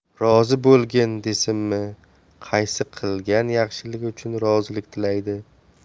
rozi bo'lgin desinmi qaysi qilgan yaxshiligi uchun rozilik tilaydi